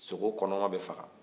sogo kɔnɔma bɛ faga